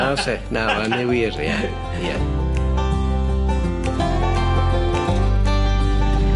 Na fyse? Na, ma' ynny wir, ie, ie.